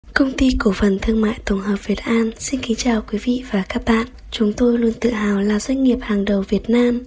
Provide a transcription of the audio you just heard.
công ty cổ phần thương mại tổng hợp việt an xin kính chào quý vị và các bạn chúng tôi luôn tự hào là doanh nghiệp hàng đầu việt nam